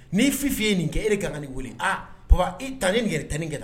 N'i fi' i ye nin kɛ e kan nin weele aa baba i tan ni ninɛrɛ tan ni gɛlɛ la